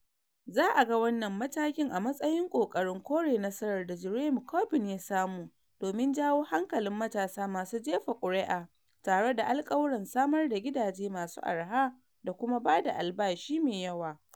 Za a ga wannan matakin a matsayin ƙoƙarin kore nasarar da Jeremy Corbyn ya samu domin jawo hankalin matasa masu jefa kuri'a tare da alƙawuran samar da gidaje masu arha da kuma bada albashi me yawa.